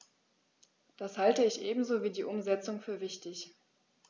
Das halte ich ebenso wie die Umsetzung für wichtig.